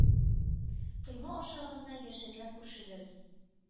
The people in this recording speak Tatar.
– койма аша гына яшәгән күршебез